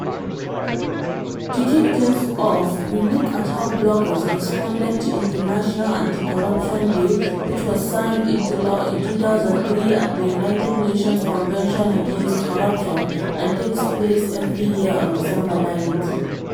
To kick things off we look at how bloggers responded to International Anti-Corruption Day, which was signed into law in 2003 at the United Nations Convention against Corruption and takes place every year on December 9th.